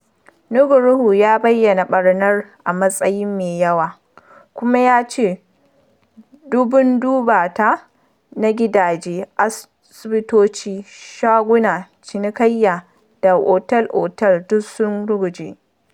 Nugroho ya bayyana ɓarnar a matsayin “mai yawa” kuma ya ce dubun-dubata na gidaje, asibitoci, shagunan cinikayya da otel-otel duk sun ruguje.